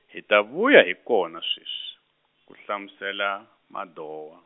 hi ta vuya hi kona sweswi, ku hlamusela, Madou.